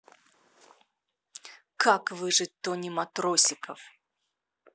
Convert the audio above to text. как выжить тони матросиков